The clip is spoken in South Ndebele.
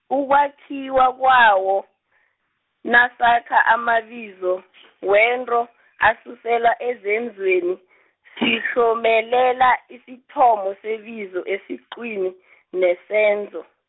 ukwakhiwa kwawo, nasakha amabizo , wento asuselwa ezenzweni, sihlomelela isithomo sebizo esiqwini , sesenzo.